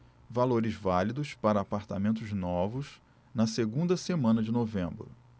valores válidos para apartamentos novos na segunda semana de novembro